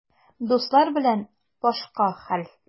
Дуслар белән башка хәл.